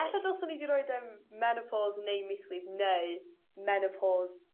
'Alla' dylswn i 'di roid yym menopos neu mislif neu menopos